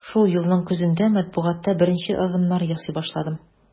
Шул елның көзендә матбугатта беренче адымнар ясый башладым.